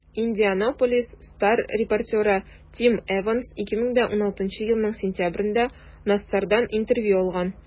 «индианаполис стар» репортеры тим эванс 2016 елның сентябрендә нассардан интервью алган.